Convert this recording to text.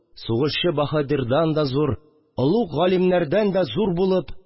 Сугышчы баһадирдан да зур, олуг галимнәрдән зур булып